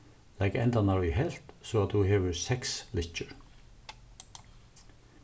legg endarnar í helvt so at tú hevur seks lykkjur